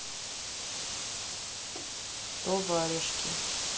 то варежки